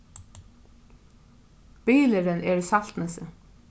bilurin er í saltnesi